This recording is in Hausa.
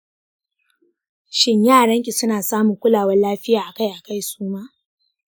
shin yaranki suna samun kulawan lafiya akai akai su ma?